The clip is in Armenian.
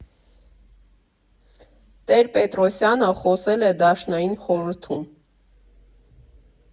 Տեր֊֊Պետրոսյանը խոսել է Դաշնային խորհրդում։